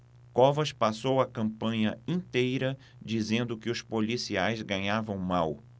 covas passou a campanha inteira dizendo que os policiais ganhavam mal